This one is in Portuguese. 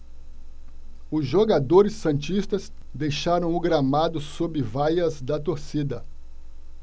os jogadores santistas deixaram o gramado sob vaias da torcida